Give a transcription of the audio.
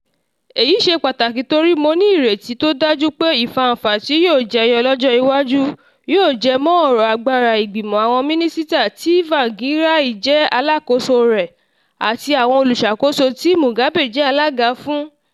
Èyí ṣe pàtàkì torí mo ní ìrètí tó dájú pé ìfaǹfà tí yòó jẹyọ lọ́jọ́ iwájú yóò jẹ mọ́ ọ̀rọ̀ agbára ìgbimọ̀ àwọn mínísítà tí Tsvangirai jẹ́ alákoso rẹ̀, àti àwọn olùṣakoso tí Mugabe jẹ́ alága fún.